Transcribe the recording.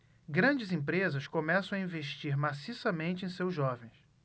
grandes empresas começam a investir maciçamente em seus jovens